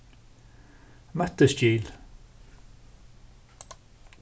møttisgil